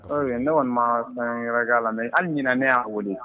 Ne kɔni ma san yɛrɛ'a la hali ɲin ne y'a wuli